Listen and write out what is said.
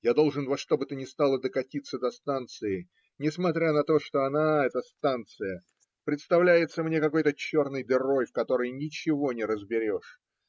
Я должен во что бы то ни стало докатиться до станции, несмотря на то, что она, эта станция, представляется мне какой-то черной дырой, в которой ничего не разберешь.